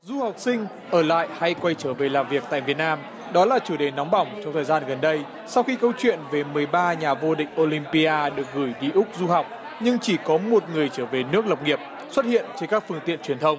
du học sinh ở lại hay quay trở về làm việc tại việt nam đó là chủ đề nóng bỏng trong thời gian gần đây sau khi câu chuyện về mười ba nhà vô địch ô lim pi a được gửi đi úc du học nhưng chỉ có một người trở về nước lập nghiệp xuất hiện trên các phương tiện truyền thông